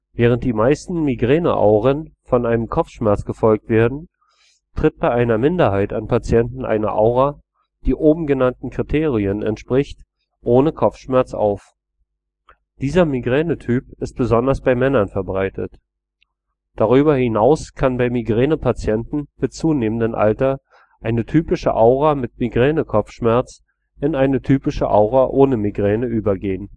Während die meisten Migräneauren von einem Kopfschmerz gefolgt werden, tritt bei einer Minderheit an Patienten eine Aura, die oben genannten Kriterien entspricht, ohne Kopfschmerz auf. Dieser Migränetyp ist besonders bei Männern verbreitet. Darüber hinaus kann bei Migränepatienten mit zunehmendem Alter eine typische Aura mit Migränekopfschmerz in eine typische Aura ohne Migräne übergehen